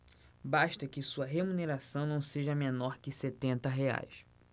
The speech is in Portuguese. basta que sua remuneração não seja menor que setenta reais